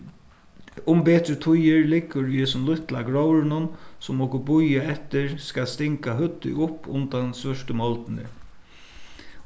um betri tíðir liggur í hesum lítla gróðrinum sum okur bíða eftir skal stinga høvdið upp undan svørtu moldini